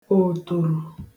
òtòrò